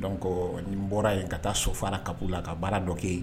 Dɔn nin bɔra yen ka taa so fara ka la ka baara dɔ kɛ yen